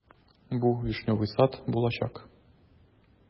Бу "Вишневый сад" булачак.